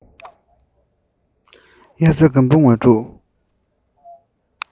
དབྱར རྩྭ དགུན འབུ ངོ སྤྲོད